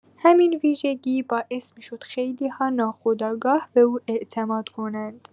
همین ویژگی باعث می‌شد خیلی‌ها ناخودآگاه به او اعتماد کنند.